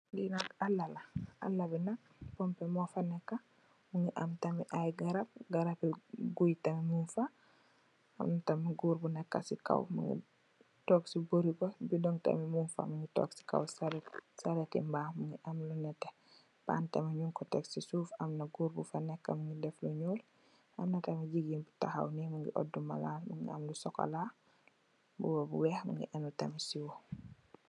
Li nak alla la, alla bi nak, pompe moo fa neeka. Mu ngi am tam ay garab, gara bi guy tam mung fa, am tam goor bu neeka si kow mu ngi toog si guru ba, bidong tamit mung fa mu ngi toog si kow sareet bi, sareet i mbaam, mu ngi am lu nette. Paan tam 'nyung ko tek si suuf am na goor bu fa neek, mu ngi am lu nyuul. Am na tam jigeen bu fa taxaw, mu ngi oddu malaan, malaan bu solokaa, mbubba bu weex mu ngi am tam siwo.